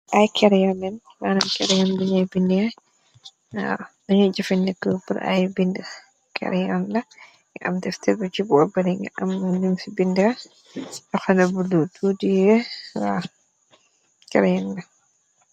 ay keryonen maran keriyon biñay binea dañuy jëfe nekku për ay bind kariyon la nga am testëbu ci bo obëri nga am lim ci bind doxala bu du tudie ar karyon la